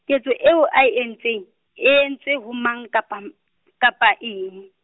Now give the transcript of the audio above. ketso eo a e entseng, e entswe ho mang kapa m-, kapa eng?